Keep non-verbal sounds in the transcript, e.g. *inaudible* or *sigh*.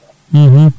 *hesitation* *hesitation*